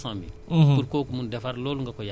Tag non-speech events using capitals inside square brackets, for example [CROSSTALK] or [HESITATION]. boo tooñee [HESITATION] keneen